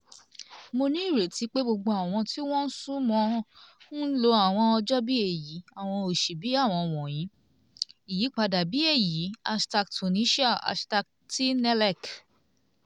Mo ní ìrètí pé gbogbo àwọn tí wọ́n súnmọ́n-ọn, ń lo àwọn ọjọ́ bíi èyí, àwọn oṣù bíi àwọn wọ̀nyí, ìyípadà bí èyí #tunisia#tnelec